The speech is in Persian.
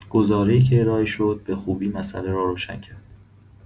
گزاره‌ای که ارائه شد، به خوبی مسئله را روشن کرد.